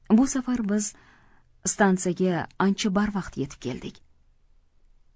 bu safar biz stansiyaga ancha barvaqt yetib keldik